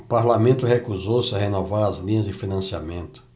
o parlamento recusou-se a renovar as linhas de financiamento